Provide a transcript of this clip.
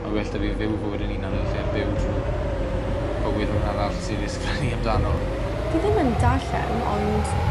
A well 'da fi fyw fywyd 'yn 'unan yn lle byw trw bywyd rywun arall sy 'di sgrennu amdano. Dw i ddim yn darllen ond